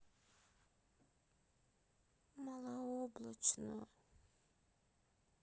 малооблачно